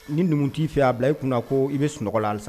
Ni numu tɛ i fɛ a bila i kunna ko i bɛ sunɔgɔ la halisa.